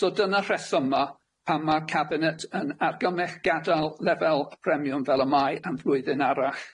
So dyna rhesyma pan ma'r cabinet yn argymell gadal lefel y premiwm fel y mae am flwyddyn arall.